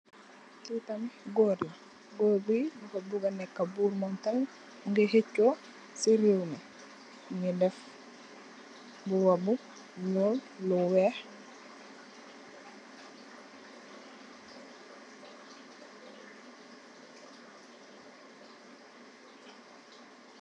Kii tam gorr la gorr bi dafa buga neka burr mom tamit mungi hecho si rewmi. Mungi deff mbuba bu nyul, lu wekh.